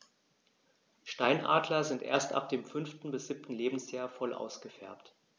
Steinadler sind erst ab dem 5. bis 7. Lebensjahr voll ausgefärbt.